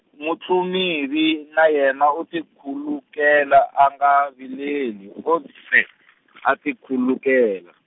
Mutlumuvi na yena u tikhulukela a nga vileli o ntsee, a tikhulukela.